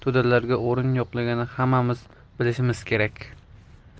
to'dalarga o'rin yo'qligini hammamiz bildirishimiz kerak